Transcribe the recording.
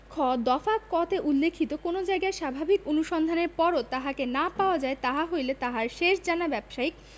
খ দফা ক তে উল্লেখিত কোন জায়গায় স্বাভাবিক অনুসন্ধানের পরও তাহাকে না পাওয়া যায় তাহা হইলে তাহার শেষ জানা ব্যবসায়িক